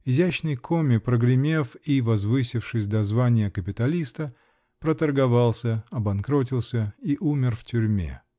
Изящный комми, прогремев и возвысившись до звания капиталиста, проторговался, обанкрутился и умер в тюрьме.